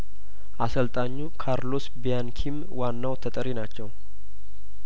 አሰልጣኙ ካርሎስ ቢያንኪም ዋናው ተጠሪ ናቸው